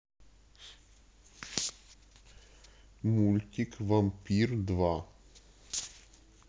мультик вампир два